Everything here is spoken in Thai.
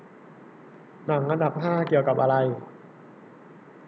หนังอันดับห้าเกี่ยวกับอะไร